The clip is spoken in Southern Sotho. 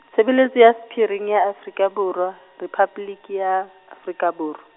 Tshebeletso ya Sephiring ya Afrika Borwa Rephaboliki ya, Afrika Borwa.